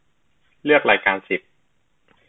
เลือกรายการสิบ